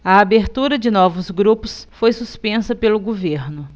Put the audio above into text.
a abertura de novos grupos foi suspensa pelo governo